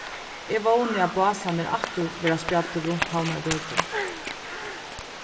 eg vóni at básarnir aftur verða spjaddir runt havnargøtur